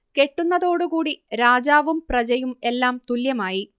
കെട്ടുന്നതോടു കൂടി രാജാവും പ്രജയും എല്ലാം തുല്യമായി